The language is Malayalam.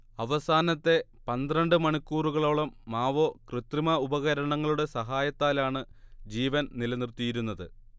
അവസാനത്തെ പന്ത്രണ്ട് മണിക്കൂറുകളോളം മാവോ കൃത്രിമ ഉപകരണങ്ങളുടെ സഹായത്താലാണ് ജീവൻ നിലനിർത്തിയിരുന്നത്